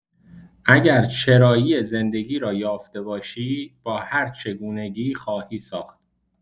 اگر چرایی زندگی را یافته باشی، با هر چگونگی خواهی ساخت.